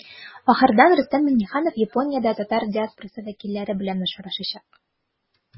Ахырдан Рөстәм Миңнеханов Япониядә татар диаспорасы вәкилләре белән очрашачак.